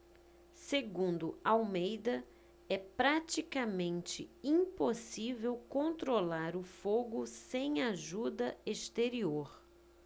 segundo almeida é praticamente impossível controlar o fogo sem ajuda exterior